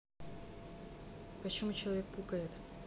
почему человек пукает